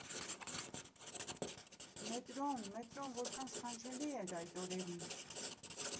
Մետրո՜ն, մետրոն որքան սքանչելին էր այդ օրերին։